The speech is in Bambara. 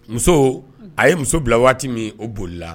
Musoo a ye muso bila waati min o bolila